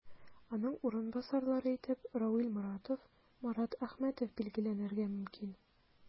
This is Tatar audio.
Аның урынбасарлары итеп Равил Моратов, Марат Әхмәтов билгеләнергә мөмкин.